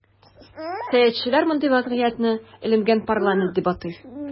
Сәясәтчеләр мондый вазгыятне “эленгән парламент” дип атый.